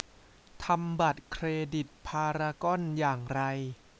ทำบัตรเครดิตพารากอนอย่างไร